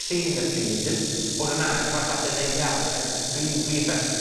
trin y pridd, jyst bod yn agos at y ddaear, yn... Dwi'n, dwi'n bers-